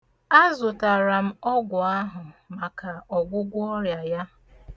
Azụtara m ọgwụ ahụ maka ọgwụgwọ ọrịa ya.